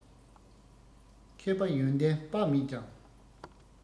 མཁས པ ཡོན ཏན དཔག མེད ཀྱང